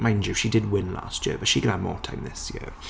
Mind you, she did win last year, but she can have more time this year.